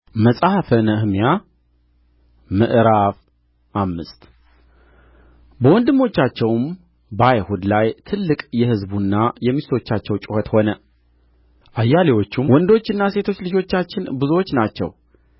መጽሐፈ ነህምያ ምዕራፍ አምስት በወንድሞቻቸውም በአይሁድ ላይ ትልቅ የሕዝቡና የሚስቶቻቸው ጩኸት ሆነ አያሌዎቹም ወንዶችና ሴቶች ልጆቻችን ብዙዎች ናቸው